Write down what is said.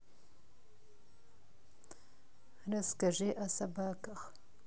расскажите о собаках